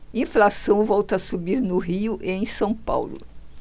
inflação volta a subir no rio e em são paulo